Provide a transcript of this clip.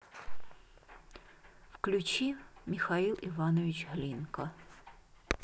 включи михаил иванович глинка